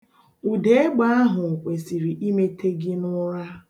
Ụda egbe ahụ kwesịrị imete gị n'ụra.